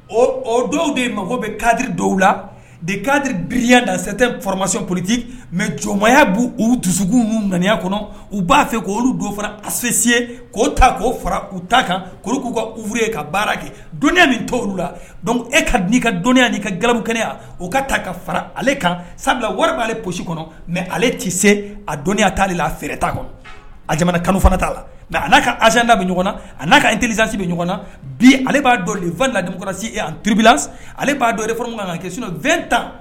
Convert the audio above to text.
O dɔw de ye mago bɛ kadiri dɔw la de kadi biya dansɛ fmasasioliti mɛ jɔnmaya b u dusu nananiya kɔnɔ u b'a fɛ k' olu don fana asesi k'o ta ko fara u ta kan k k'u ka uuruye ka baara kɛ dɔnniya min to la e ka di' i ka dɔnniya' ka gabu kɛnɛya o ka ta ka fara ale kan sabula wɛrɛ b'ale psi kɔnɔ mɛ ale tɛ se a dɔnniiya taale la a fɛrɛɛrɛ' kɔnɔ a jamana kanu fana t'a la nka n'a ka azsanda bɛ ɲɔgɔn na a n'a ka telizsi bɛ ɲɔgɔn na bi ale b'a dɔn v laden se ebila ale b'a dɔn kan kɛ sun tan